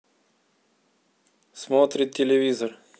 смотрит телевизор